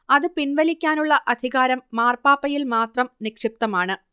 അത് പിൻവലിക്കാനുള്ള അധികാരം മാർപ്പാപ്പയിൽ മാത്രം നിക്ഷിപ്തമാണ്